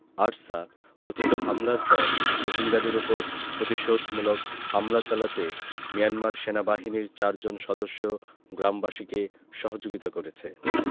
ARSA কথিত হামলার পর রোহিঙ্গাদের ওপর প্রতিশোধমূলক হামলা চালাতে মিয়ানমার সেনাবাহিনীর চারজন সদস্য গ্রামবাসীকে সহযোগিতা করেছে